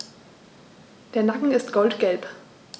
Der Nacken ist goldgelb.